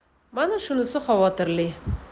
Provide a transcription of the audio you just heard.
mana shunisi xavotirli